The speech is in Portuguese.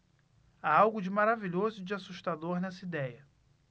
há algo de maravilhoso e de assustador nessa idéia